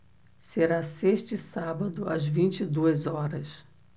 será sexta e sábado às vinte e duas horas